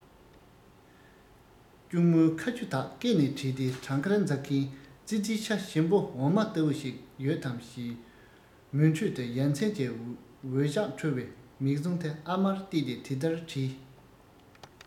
གཅུང མོའི ཁ ཆུ དག སྐེ ནས གྲིལ ཏེ བྲང ཁར འཛག གིན ཙི ཙིའི ཤ ཞིམ པོ འོ མ ལྟ བུ ཞིག ཡོད དམ ཞེས མུན ཁྲོད དུ ཡ མཚན གྱི འོད ཞགས འཕྲོ བའི མིག ཟུང དེ ཨ མར གཏད དེ དེ ལྟར དྲིས